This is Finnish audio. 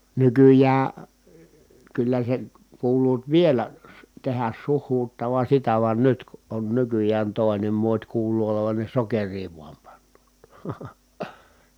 nykyään kyllä sen kuuluvat vielä - tehdä suhuuttavan sitä vaan nyt kun on nykyään toinen muoti kuuluu olevan ne sokeria vain panevat